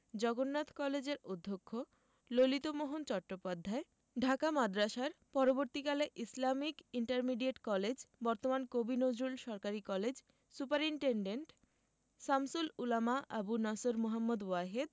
জগন্নাথ কলেজের অধ্যক্ষ ললিতমোহন চট্টোপাধ্যায় ঢাকা মাদ্রাসার পরবর্তীকালে ইসলামিক ইন্টারমিডিয়েট কলেজ বর্তমান কবি নজরুল সরকারি কলেজ সুপারিন্টেন্ডেন্ট শামসুল উলামা আবু নসর মুহম্মদ ওয়াহেদ